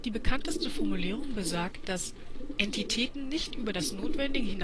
bekannteste Formulierung besagt, dass „ Entitäten nicht über das Notwendige